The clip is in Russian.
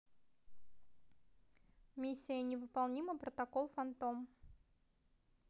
миссия невыполнима протокол фантом